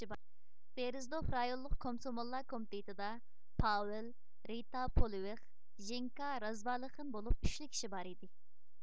بىرىزدوف رايونلۇق كومسوموللار كومىتېتىدا پاۋېل رىتا پولېۋىخ ژېنكا رازۋالىخىن بولۇپ ئۈچلا كىشى بار ئىدى